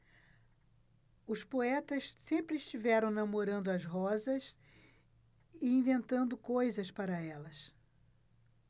os poetas sempre estiveram namorando as rosas e inventando coisas para elas